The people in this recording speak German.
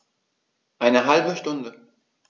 Eine halbe Stunde